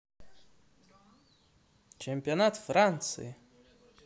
чемпионат франции